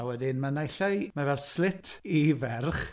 A wedyn ma' naill ai… mae fel slit i ferch...